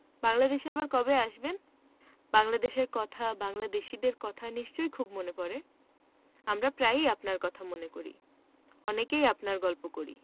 বাংলাদেশে আবার কবে আসবেন বাংলাদেশের কথা বাংলাদেশীদের কথা নিশ্চয় খুব মনে পরে আমরা প্রায়ই আপনারর কথা মনে করি অনেককেই আপনার গল্প করি